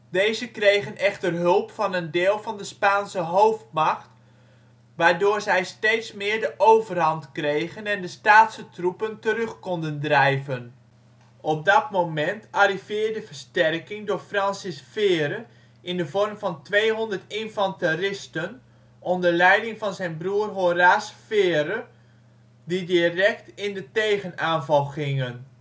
Deze kregen echter hulp van een deel van de Spaanse hoofdmacht waardoor zij steeds meer de overhand kregen en de Staatse troepen terug konden drijven. Op dat moment arriveerde versterking voor Francis Vere in de vorm van 200 infanteristen onder leiding van zijn broer Horace Vere die direct in de tegenaanval gingen